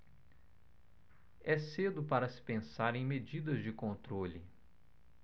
é cedo para se pensar em medidas de controle